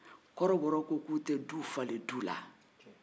kɔrɔbɔw k'u t'u ka du falen du la